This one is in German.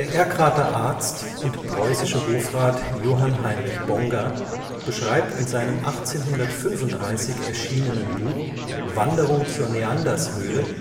Erkrather Arzt und preußische Hofrat Johann Heinrich Bongard beschreibt in seinem 1835 erschienenen Buch Wanderung zur Neandershöhle